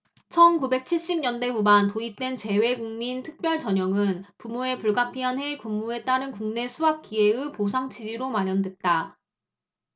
천 구백 칠십 년대 후반 도입된 재외국민 특별전형은 부모의 불가피한 해외 근무에 따른 국내 수학 기회의 보상 취지로 마련됐다